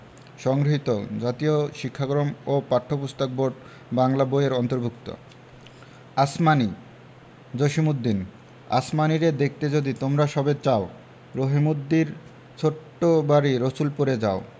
সংগৃহীত জাতীয় শিক্ষাক্রম ও পাঠ্যপুস্তক বোর্ড বাংলা বই এর অন্তর্ভুক্ত আসমানী জসিমউদ্দিন আসমানীরে দেখতে যদি তোমরা সবে চাও রহিমদ্দির ছোট্ট বাড়ি রসুলপুরে যাও